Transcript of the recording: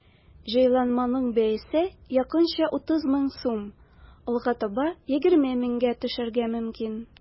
Җайланманың бәясе якынча 30 мең сум, алга таба 20 меңгә төшәргә мөмкин.